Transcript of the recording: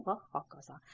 va hokazo